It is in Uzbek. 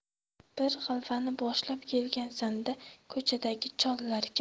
bir g'alvani boshlab kelgansan da ko'chadagi chollar kim